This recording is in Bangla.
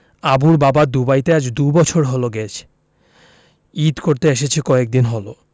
অনেকগুলো ভালো কাজ করেছ আজ শরিফা খুশি হয়ে নানাকে জড়িয়ে ধরল